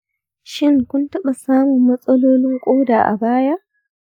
shin kun taɓa samun matsalolin ƙoda a baya?